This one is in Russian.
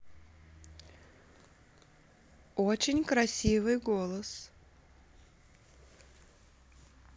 очень красивый голос